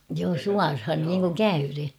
joo suoraan niin kuin käyden